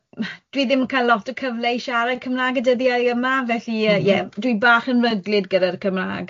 M- Dwi ddim yn cael lot o cyfle i siarad Cymraeg y dyddiau yma, felly yy, ie, dwi bach yn ryglyd gyda'r Cymraeg.